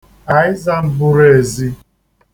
Àịzà mbụrụēzī